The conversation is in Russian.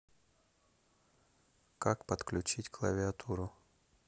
как подключить клавиатуру